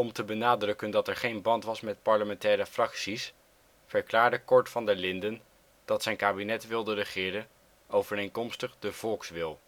te benadrukken dat er geen band was met parlementaire fracties, verklaarde Cort van der Linden dat zijn kabinet wilde regeren overeenkomstig de ' volkswil